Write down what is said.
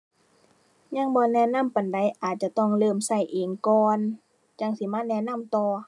ยังบ่แนะนำปานใด อาจจะต้องเริ่มใช้เองก่อน จั่งสิมาแนะนำต่อ